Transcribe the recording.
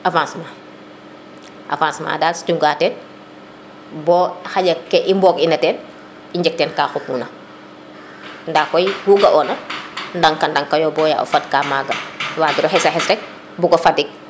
avancement avancement dal um cunga teen bo xaƴa ke i mbug ina teen i njeg teen ka xupuna nda koy ku ga ona ndaka naka yo baya fad ka maga wagiro xesa xes rek bugo fadik